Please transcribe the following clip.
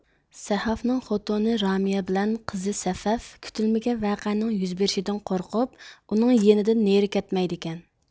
سەھافنىڭ خوتۇنى رامىيە بىلەن قىزى سەفەف كۈتۈلمىگەن ۋەقەنىڭ يۈز بېرىشىدىن قورقۇپ ئۇنىڭ يېنىدىن نېرى كەتمەيدىكەن